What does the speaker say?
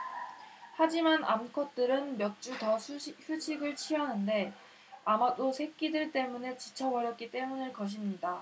하지만 암컷들은 몇 주 더 휴식을 취하는데 아마도 새끼들 때문에 지쳐 버렸기 때문일 것입니다